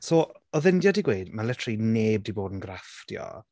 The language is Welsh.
So oedd India 'di gweud ma' literally neb 'di bod yn grafftio.